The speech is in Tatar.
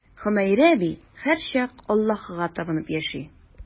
Хөмәйрә әби һәрчак Аллаһыга табынып яши.